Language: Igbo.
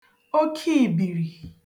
okiìbìrì